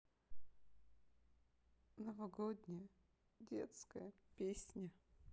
новогодняя детская песня